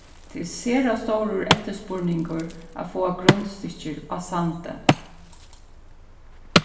tað er sera stórur eftirspurningur at fáa grundstykkir á sandi